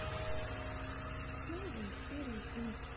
новые серии синий трактор